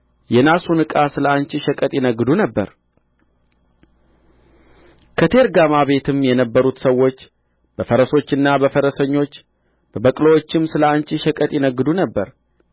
የናሱን ዕቃ ስለ አንቺ ሸቀጥ ይነግዱ ነበር ከቴርጋማ ቤትም የነበሩት ሰዎች በፈረሶችና በፈረሰኞች በበቅሎዎችም ስለ አንቺ ሸቀጥ ይነግዱ ነበር